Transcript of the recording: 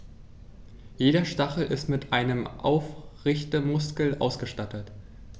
Jeder Stachel ist mit einem Aufrichtemuskel ausgestattet.